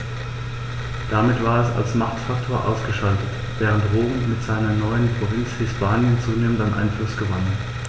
Damit war es als Machtfaktor ausgeschaltet, während Rom mit seiner neuen Provinz Hispanien zunehmend an Einfluss gewann.